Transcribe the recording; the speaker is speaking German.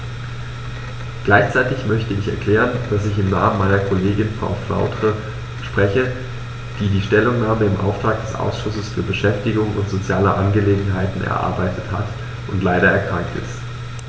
Gleichzeitig möchte ich erklären, dass ich im Namen meiner Kollegin Frau Flautre spreche, die die Stellungnahme im Auftrag des Ausschusses für Beschäftigung und soziale Angelegenheiten erarbeitet hat und leider erkrankt ist.